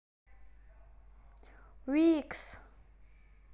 vixx